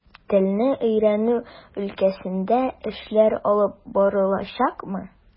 Телне өйрәнү өлкәсендә эшләр алып барылачакмы?